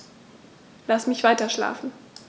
Lass mich weiterschlafen.